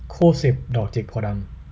คู่สิบดอกจิกโพธิ์ดำ